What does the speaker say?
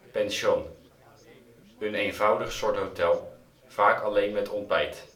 Pension: Een eenvoudig soort hotel, vaak alleen met ontbijt